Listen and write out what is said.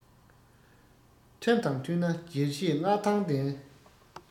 ཁྲིམས དང མཐུན ན རྒྱལ གཞིས མངའ ཐང ལྡན